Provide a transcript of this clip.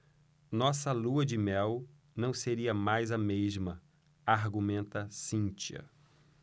nossa lua-de-mel não seria mais a mesma argumenta cíntia